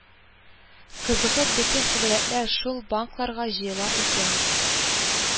Кызыгып бөтен күбәләкләр шул банкаларга җыела икән